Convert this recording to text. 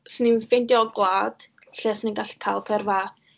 'Swn i'n ffeindio gwlad lle 'swn i'n gallu cael gyrfa.